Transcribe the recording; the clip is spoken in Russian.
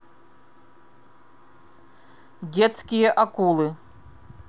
детские акулы